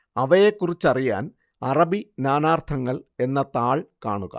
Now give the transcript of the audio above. അവയെക്കുറിച്ചറിയാൻ അറബി നാനാർത്ഥങ്ങൾ എന്ന താൾ കാണുക